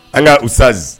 An ŋaa Usaz